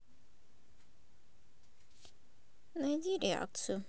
найди редакцию